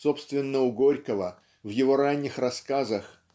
Собственно, у Горького, в его ранних рассказах,